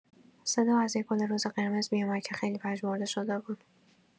صدا از یه گل رز قرمز می‌اومد که خیلی پژمرده شده بود.